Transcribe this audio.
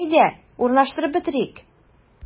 Әйдә, урнаштырып бетерик.